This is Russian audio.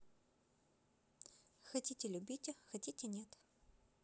хотите любите хотите нет